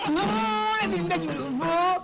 Sanininɛba